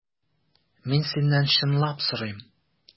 Мин синнән чынлап сорыйм.